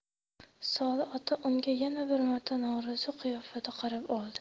soli ota unga yana bir marta norozi qiyofada qarab oldi